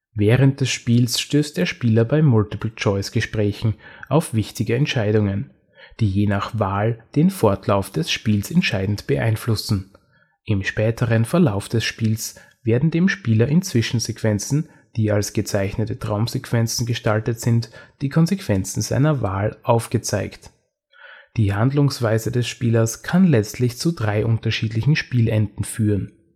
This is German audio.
Während des Spiels stößt der Spieler bei Multiple-Choice-Gesprächen auf wichtige Entscheidungen, die je nach Wahl den Fortlauf des Spiels entscheidend beeinflussen. Im späteren Verlauf des Spiels werden dem Spieler in Zwischensequenzen, die als gezeichneten Traumsequenzen (Flashbacks) gestaltet sind, die Konsequenzen seiner Wahl aufgezeigt. Die Handlungsweise des Spielers kann letztlich zu drei unterschiedlichen Spielenden führen